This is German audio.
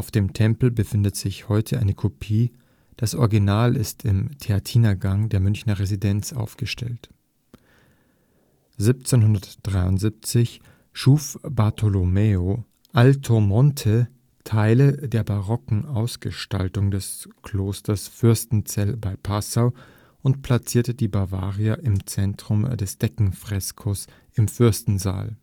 dem Tempel befindet sich heute eine Kopie, das Original ist im " Theatinergang " der Münchner Residenz ausgestellt. Bavaria an der Decke des Fürstensaals im Kloster Fürstenzell, 1773 von Bartolomeo Altomonte 1773 schuf Bartolomeo Altomonte Teile der barocken Ausgestaltung des Klosters Fürstenzell bei Passau und platzierte die Bavaria im Zentrum des Deckenfrescos im Fürstensaal